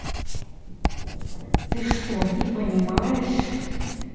ты что не понимаешь